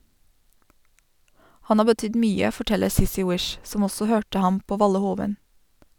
Han har betydd mye, forteller Sissy Wish, som også hørte ham på Valle Hovin.